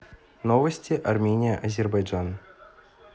новости армения азербайджан